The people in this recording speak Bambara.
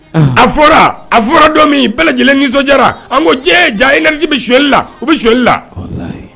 A fɔra a fɔra don min bɛɛ lajɛlen nisɔndiyara an ko jiɲɛ ye jaa! energie bɛ soɲɛli la, o bɛ soɲɛli la.